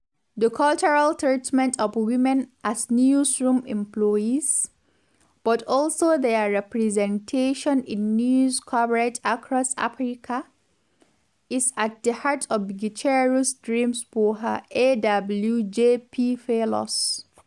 The cultural treatment of women — as newsroom employees, but also their representation in news coverage across Africa — is at the heart of Gicheru’s dreams for her AWJP fellows.